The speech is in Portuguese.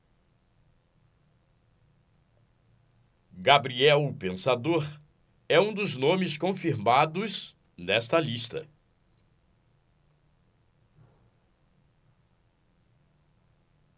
gabriel o pensador é um dos nomes confirmados nesta lista